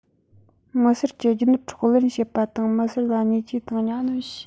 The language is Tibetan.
མི སེར གྱི རྒྱུ ནོར འཕྲོག ལེན བྱེད པ དང མི སེར ལ བརྙས བཅོས དང གཉའ གནོན བྱས